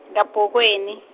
Kabokweni.